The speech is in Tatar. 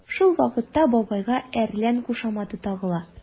Шул вакытта бабайга “әрлән” кушаматы тагыла.